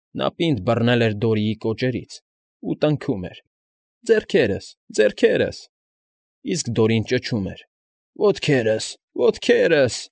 Նա պինդ բռնել էր Դորիի կոճերից ու տնքում էր. «Ձեռքերս, ձեռքերս…», իսկ Դորին ճչում էր. «Ոտքերս, ոտքերս»։